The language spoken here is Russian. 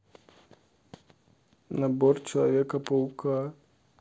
набор человека паука